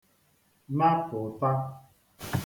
napụ̀ta